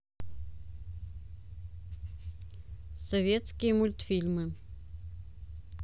советские мультфильмы